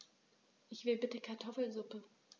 Ich will bitte Kartoffelsuppe.